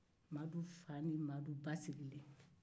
madu fa ni ba sigilen